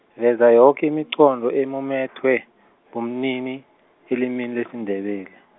veza yoke imiqondo emumethwe, bumnini, elimini Lesindebele .